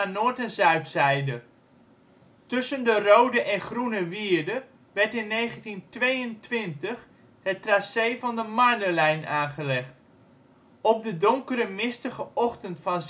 noord - en zuidzijde. Tussen de Rode en Groene Wierde werd in 1922 het tracé van de Marnelijn aangelegd. Op de donkere mistige ochtend van